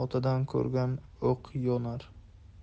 otadan ko'rgan o'q yo'nar